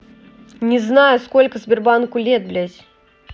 не знаю сколько сбербанку лет блядь